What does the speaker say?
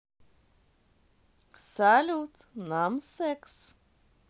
салют нам секс